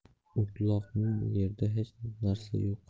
o'tloqning u yerda xech narsa yo'q